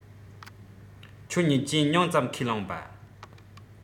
ཁྱོད གཉིས ཀྱིས ཉུང ཙམ ཁས བླངས པ